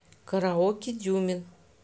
караоке дюмин